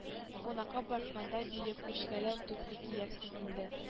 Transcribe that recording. Кунакка барганда биек үкчәле туфли киярсең инде